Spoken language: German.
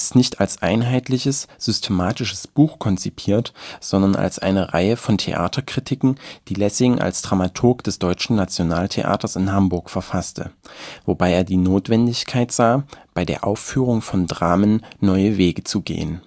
nicht als einheitliches, systematisches Buch konzipiert, sondern als eine Reihe von Theaterkritiken, die Lessing als Dramaturg des Deutschen Nationaltheaters in Hamburg verfasste, wobei er die Notwendigkeit sah, bei der Aufführung von Dramen neue Wege zu gehen